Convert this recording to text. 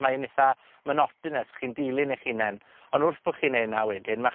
mae yn itha monotonous. Chi'n dilyn eich hunen. Ond wrth bo' chi'n neud 'na wedyn ma'ch